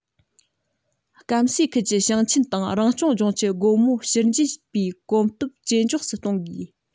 སྐམ སའི ཁུལ གྱི ཞིང ཆེན དང རང སྐྱོང ལྗོངས ཀྱི སྒོ མོ ཕྱིར འབྱེད པའི གོམ སྟབས ཇེ མགྱོགས སུ གཏོང དགོས